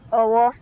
ɔwɔ